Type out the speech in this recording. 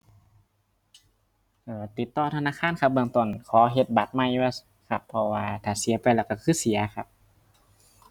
เอ่อ ติดต่อธนาคารครับ เบื้องต้นขอเฮ็ดบัตรใหม่ว่า ครับ เพราะว่าถ้าเสียไปแล้วก็คือเสียครับ